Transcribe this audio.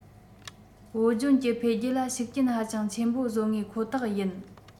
བོད ལྗོངས ཀྱི འཕེལ རྒྱས ལ ཤུགས རྐྱེན ཧ ཅང ཆེན པོ བཟོ ངེས ཁོ ཐག ཡིན